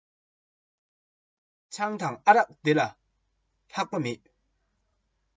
ཁྱོད རང ཁྱོད རའི འདོད པ ཟིན འདོད ན